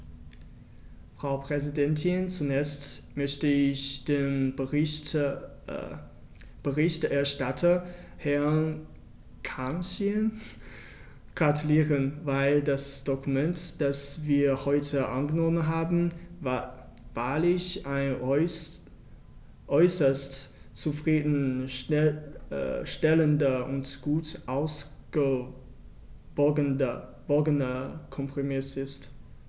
Frau Präsidentin, zunächst möchte ich dem Berichterstatter Herrn Cancian gratulieren, weil das Dokument, das wir heute angenommen haben, wahrlich ein äußerst zufrieden stellender und gut ausgewogener Kompromiss ist.